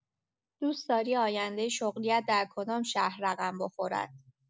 دوست‌داری آینده شغلی‌ات در کدام شهر رقم بخورد؟